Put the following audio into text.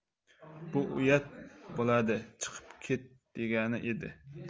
bu uyat bo'ladichiqib ket degani edi